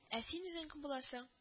Ә син үзең кем буласың